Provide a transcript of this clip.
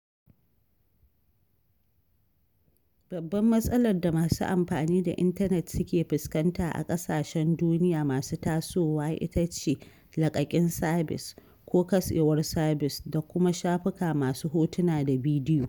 Babbar matsalar da masu amfani da intanet suke fuskanta a ƙasashen duniya masu tasowa ita ce laƙaƙin sabis (ko katsewar sabis) da kuma shafuka masu hotuna da bidiyo.